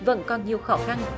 vẫn còn nhiều khó khăn